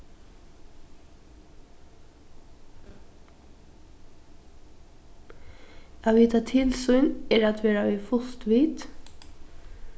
at vita til sín er at vera við fult vit